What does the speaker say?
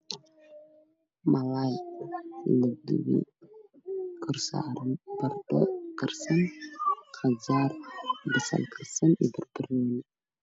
Malay ladubay korsaran bardho karsan qajar baselan io barbaroni